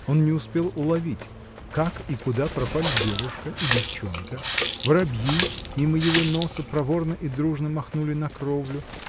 Он не успел уловить, как и куда пропали девушка и девчонка: воробьи, мимо его носа, проворно и дружно махнули на кровлю.